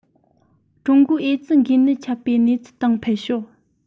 ཀྲུང གོའི ཨེ ཙི འགོས ནད ཁྱབ པའི གནས ཚུལ དང འཕེལ ཕྱོགས